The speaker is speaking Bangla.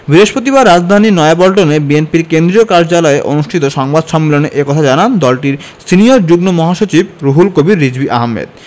বৃহস্পতিবার রাজধানীর নয়াপল্টনে বিএনপির কেন্দ্রীয় কার্যালয়ে অনুষ্ঠিত সংবাদ সম্মেলন এ কথা জানান দলটির সিনিয়র যুগ্ম মহাসচিব রুহুল কবির রিজভী আহমেদ